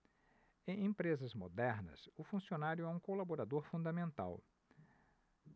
em empresas modernas o funcionário é um colaborador fundamental